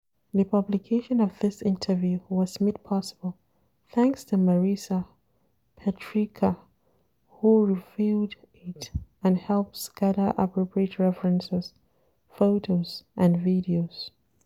The publication of this interview was made possible thanks to Marisa Petricca, who reviewed it and helps gather appropriate references, photos and videos.